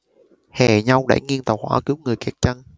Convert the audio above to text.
hè nhau đẩy nghiêng tàu hỏa cứu người kẹt chân